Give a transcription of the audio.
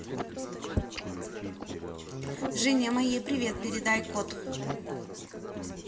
жене моей привет передай кот